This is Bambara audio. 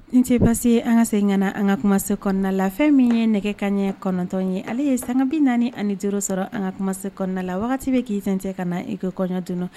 Nin cɛe pase an ka seg an ka kuma se kɔnɔna la fɛn min ye nɛgɛkan ɲɛ kɔnɔntɔn ye ale ye sanbi naani ani duuru sɔrɔ an ka kuma se kɔnɔna la wagati bɛ k'i kɛnte ka na i ka kɔɲɔdon